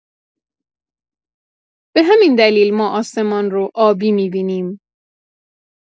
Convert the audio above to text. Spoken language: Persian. به همین دلیل ما آسمان رو آبی می‌بینیم.